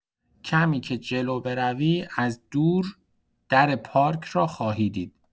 کمی که جلو بروی، از دور در پارک را خواهی دید.